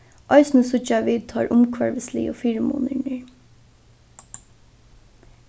eisini síggja vit teir umhvørvisligu fyrimunirnir